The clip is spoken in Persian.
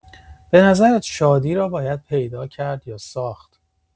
به نظرت شادی را باید پیدا کرد یا ساخت؟